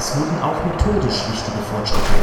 wurden auch methodisch wichtige Fortschritte